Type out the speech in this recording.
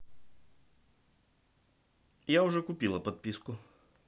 я уже купила подписку